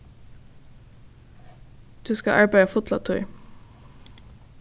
tú skal arbeiða fulla tíð